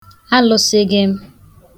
alụ̄sị̄gị̄m